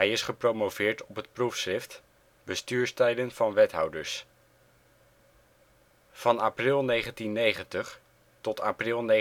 is gepromoveerd op het proefschrift Bestuursstijlen van wethouders. Van april 1990 tot april 1998